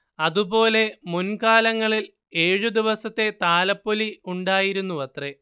അതുപോലെ മുൻ കാലങ്ങളിൽ ഏഴ് ദിവസത്തെ താലപ്പൊലി ഉണ്ടായിരുന്നുവത്രെ